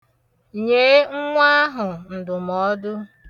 Nye nwa ahụ ǹdụ̀mọọdụ.